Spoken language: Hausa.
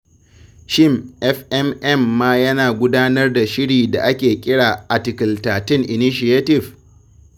Shin FMM ma yana gudanar da shiri da ake kira '' Article 13 Initiative''?